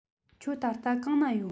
ཁྱོད ད ལྟ གང ན ཡོད